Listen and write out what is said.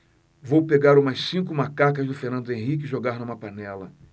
vou pegar umas cinco macacas do fernando henrique e jogar numa panela